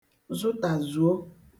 zụtàzùo